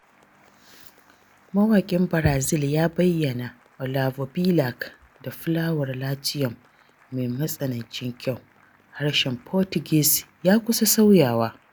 Mawaƙin Brazil, ya bayyana Olavo Bilac da ''fulawar Latium mai matsanancin kyau'', harshen Portuguese ya kusa sauyawa.